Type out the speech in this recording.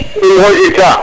mem xoytita